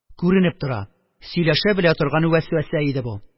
Күренеп тора: сөйләшә белә торган вәсвәсә иде бу.